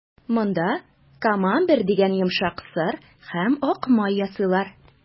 Монда «Камамбер» дигән йомшак сыр һәм ак май ясыйлар.